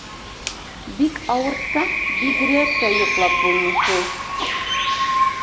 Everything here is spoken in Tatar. Бик арытса, бигрәк тә йоклап булмый шул.